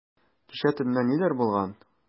Кичә төнлә ниләр булган?